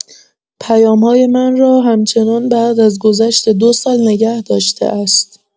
پیام‌های من را همچنان بعد از گذشت دو سال نگه داشته است.